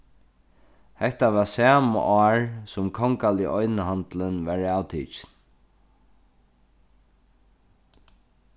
hetta var sama ár sum kongaligi einahandilin var avtikin